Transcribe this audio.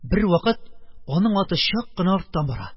Бервакыт аның аты чак кына арттан бара,